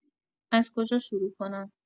از کجا شروع کنم؟